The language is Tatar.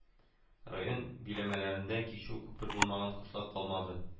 Район биләмәләрендә кичү-күпер булмаган кышлак калмады